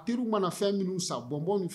Teriw mana fɛn minnu san bonbon ni fɛnw